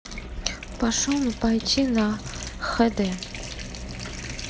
пошел на пойти на hd